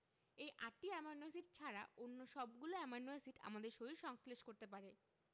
এই আটটি amino acid ছাড়া অন্য সবগুলো অ্যামাইনো এসিড আমাদের শরীর সংশ্লেষ করতে পারে